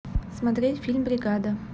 смотреть фильм бригада